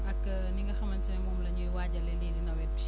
ak ni nga xamante ne moom la ñuy waajalee lii di nawet bi